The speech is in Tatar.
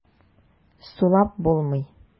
Сулап булмый.